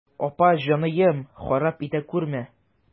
Апа җаныем, харап итә күрмә.